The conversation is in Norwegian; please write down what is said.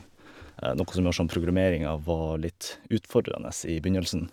Nokka som gjorde sånn programmeringa var litt utfordrende i begynnelsen.